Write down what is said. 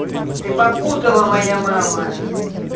ты попутала моя мама